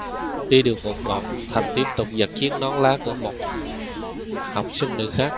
đi được một đoạn thành tiếp tục giật chiếc nón lá của một học sinh nữ khác